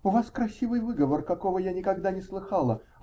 -- У вас красивый выговор, какого я никогда не слыхала.